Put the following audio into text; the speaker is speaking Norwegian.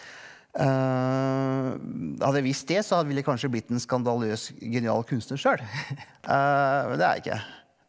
hadde jeg visste det så ville jeg kanskje blitt en skandaløs genial kunstner sjøl men det er jeg ikke.